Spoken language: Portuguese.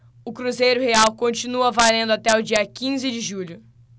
o cruzeiro real continua valendo até o dia quinze de julho